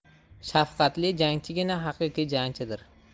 shafqatli jangchigina haqiqiy jangchidir